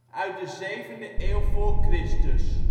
uit de zevende eeuw voor Christus